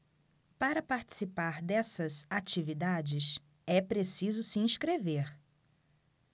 para participar dessas atividades é preciso se inscrever